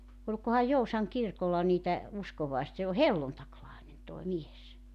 olikohan Joutsan kirkolla niitä - se on helluntailainen tuo mies